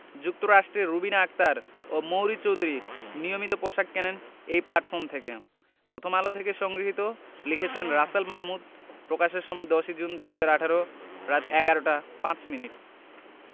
যুক্তরাষ্ট্রের রুবিনা আক্তার ও মৌরি চৌধুরী নিয়মিত পোশাক কেনেন এই প্ল্যাটফর্ম থেকে প্রথমআলো হতে সংগৃহীত লিখেছেন রাসেল মাহ্ মুদ প্রকাশের সময় ১০ জুন ২০১৮ রাত ১১টা ৫ মিনিট